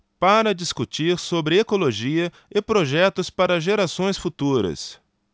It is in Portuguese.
para discutir sobre ecologia e projetos para gerações futuras